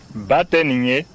ba tɛ nin ye